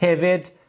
Hefyd,